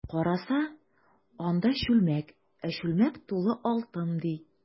Караса, анда— чүлмәк, ә чүлмәк тулы алтын, ди.